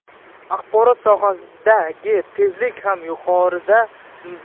axborot sohasidagi tezlik ham yuqorida